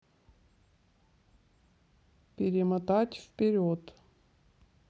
перемотать вперед